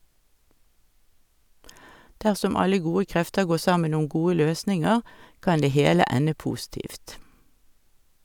Dersom alle gode krefter går sammen om gode løsninger, kan det hele ende positivt.